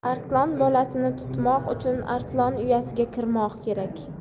arslon bolasini tutmoq uchun arslon uyasiga kirmoq kerak